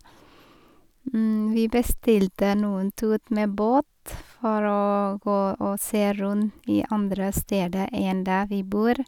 Vi bestilte noen tur med båt for å gå og se rund i andre steder enn der vi bor.